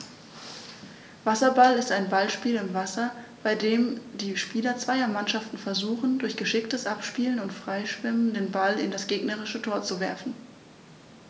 Wasserball ist ein Ballspiel im Wasser, bei dem die Spieler zweier Mannschaften versuchen, durch geschicktes Abspielen und Freischwimmen den Ball in das gegnerische Tor zu werfen.